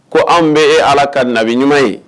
Ko an bɛ e ala ka nabi ɲuman ye